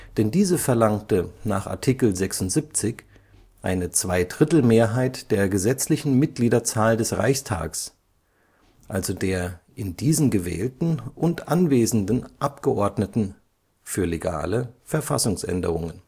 Denn diese verlangte nach Art. 76 eine Zweidrittelmehrheit der gesetzlichen Mitgliederzahl des Reichstags, also der in diesen gewählten und anwesenden Abgeordneten, für legale Verfassungsänderungen